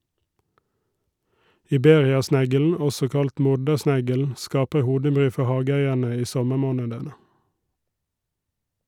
Iberiasneglen, også kalt mordersneglen, skaper hodebry for hageeierne i sommermånedene.